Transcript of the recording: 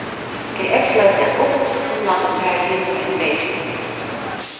eg eygleiddi eitt ungt tumlandi par hinumegin vegin